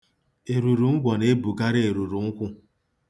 Eruru ngwọ na-ebukarị eruru nkwụ.